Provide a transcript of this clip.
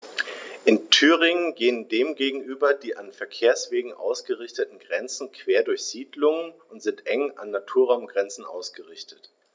In Thüringen gehen dem gegenüber die an Verkehrswegen ausgerichteten Grenzen quer durch Siedlungen und sind eng an Naturraumgrenzen ausgerichtet.